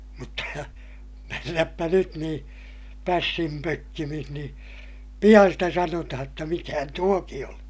mutta mennäpä nyt niin pässin pökkimissä niin pian sitä sanotaan jotta mikähän tuokin on